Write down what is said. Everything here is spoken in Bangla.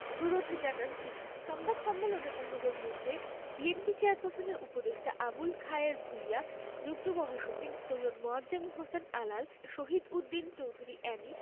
অনুরোধ জানান তিনি সংবাদ সম্মেলনে অন্যদের মধ্যে বিএনপি চেয়ারপারসনের উপদেষ্টা আবুল খায়ের ভূইয়া যুগ্ম মহাসচিব সৈয়দ মোয়াজ্জেম হোসেন আলাল শহীদ উদ্দিন চৌধুরী এ্যানি